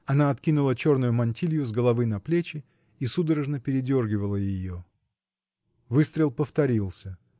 Она откинула черную мантилью с головы на плечи и судорожно передергивала ее. Выстрел повторился.